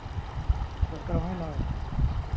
เปิดเตาให้หน่อย